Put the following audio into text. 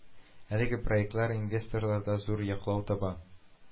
Әлеге проектлар инвесторларда зур яклау таба